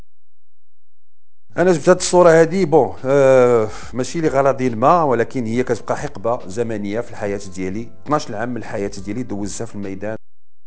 انسداد صوره ديبو اغراضي الماء ولكنه يؤكد حقبه زمنيه في الحياه سديلي مثلهم بالحياه جيد وليس في الماء